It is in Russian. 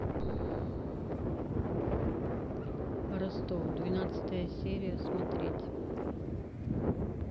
ростов двенадцатая серия смотреть